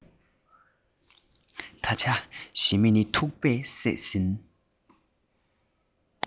ད ཆ ཞི མི ནི ཐུག པས བསད ཟིན